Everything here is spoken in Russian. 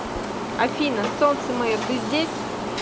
афина солнце мое ты здесь